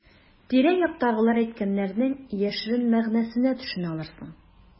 Тирә-яктагылар әйткәннәрнең яшерен мәгънәсенә төшенә алырсың.